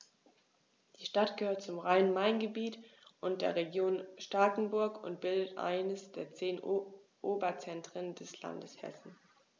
Die Stadt gehört zum Rhein-Main-Gebiet und der Region Starkenburg und bildet eines der zehn Oberzentren des Landes Hessen.